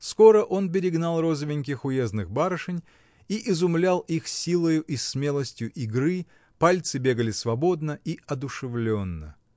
Скоро он перегнал розовеньких уездных барышень и изумлял их силою и смелостью игры, пальцы бегали свободно и одушевленно.